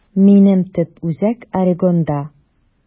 Минем төп үзәк Орегонда.